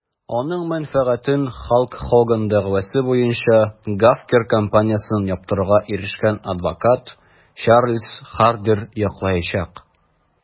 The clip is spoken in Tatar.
Аның мәнфәгатен Халк Хоган дәгъвасы буенча Gawker компаниясен яптыруга ирешкән адвокат Чарльз Хардер яклаячак.